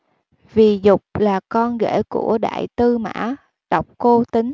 vì dục là con rể của đại tư mã độc cô tín